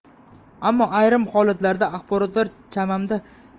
ammo ayrim holatlarda axborotlar chamamda